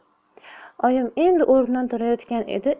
oyim endi o'rnidan turayotgan edi